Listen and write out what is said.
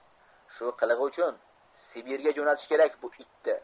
shu qilig'i uchun sibirga jo'natish kerak bu itni